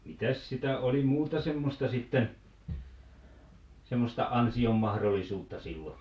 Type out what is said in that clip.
mitäs sitä oli muuta semmoista sitten semmoista ansion mahdollisuutta silloin